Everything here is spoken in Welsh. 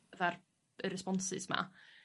...fatha'r y responses 'ma.